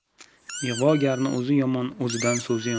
ig'vogarning o'zi yomon o'zidan so'zi yomon